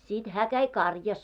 sitten hän kävi karjassa